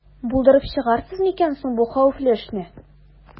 Булдырып чыгарсыз микән соң бу хәвефле эшне?